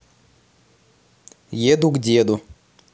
еду к деду